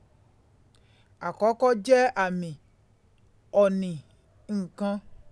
Àkọ́kọ́ jẹ́ àmì ọ̀nì nǹkan.